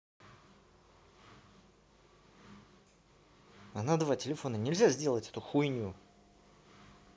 а на два телефона нельзя сделать эту хуйню